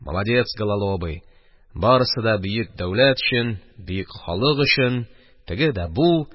«молодец, гололобый, барысы да бөек дәүләт өчен, бөек халык өчен". теге дә бу...